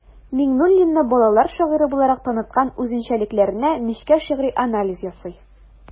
Миңнуллинны балалар шагыйре буларак таныткан үзенчәлекләренә нечкә шигъри анализ ясый.